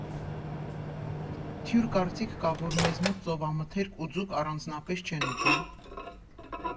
«Թյուր կարծիք կա, որ մեզ մոտ ծովամթերք ու ձուկ առանձնապես չեն ուտում։